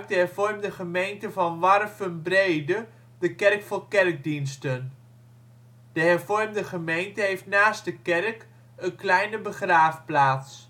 Hervormde Gemeente van Warffum-Breede de kerk voor kerkdiensten. De Hervormde Gemeente heeft naast de kerk een kleine begraafplaats